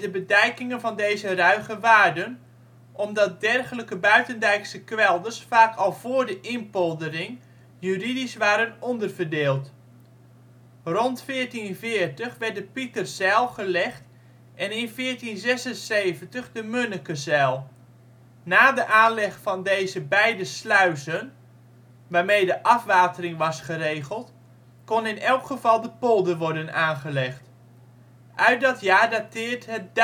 bedijkingen van deze ' ruige waarden ' omdat dergelijke buitendijkse kwelders vaak al voor de inpoldering juridisch waren onderverdeeld. Rond 1440 werd de Pieterzijl gelegd en in 1476 de Munnekezijl. Na de aanleg van deze beide sluizen, waarmee de afwatering was geregeld, kon in elk geval de polder worden aangelegd: Uit dat jaar dateert het dijkrechtverdrag